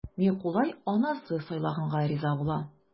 Микулай анасы сайлаганга риза була.